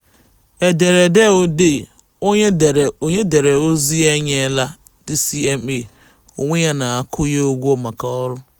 Ederede odee: Onye dere ozi a enyeela DCMA onwe ya na akwụghị ụgwọ maka ọrụ.